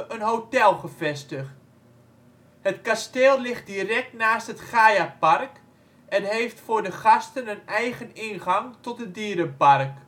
een hotel gevestigd. Het kasteel ligt direct naast het GaiaPark en heeft voor de gasten een eigen ingang tot het dierenpark